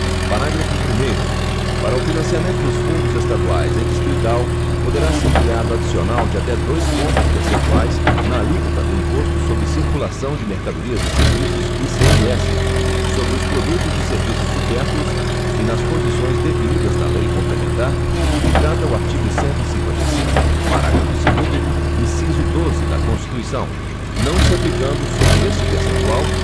parágrafo primeiro para o financiamento dos fundos estaduais e distrital poderá ser criado adicional de até dois pontos percentuais na alíquota do imposto sobre circulação de mercadorias e serviços icms sobre os produtos e serviços supérfluos e nas condições definidas na lei complementar de que trata o artigo cento e cinquenta e cinco parágrafo segundo inciso doze da constituição não se aplicando sobre este percentual